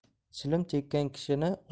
chilim chekkan kishini